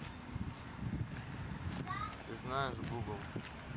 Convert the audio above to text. ты знаешь google